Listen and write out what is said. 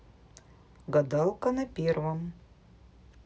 гадалка на первом